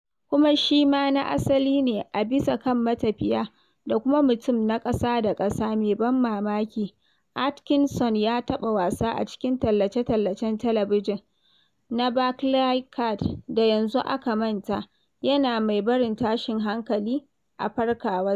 Kuma shi ma na asali ne a bisa kan matafiya da kuma mutum na ƙasa-da-ƙasa mai ban mamaki Atkinson ya taɓa wasa a cikin tallace-tallacen talabijin na Barclaycard da yanzu aka manta, yana mai barin tashin hankali a farkawarsa.